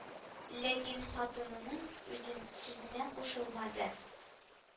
Ләкин хатынының үзен сүзенә кушылмады